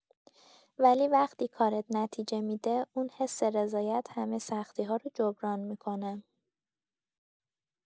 ولی وقتی کارت نتیجه می‌ده، اون حس رضایت همه سختی‌ها رو جبران می‌کنه.